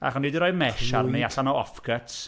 Ac o'n i 'di rhoi mesh... clwyd. ...arni allan o offcuts.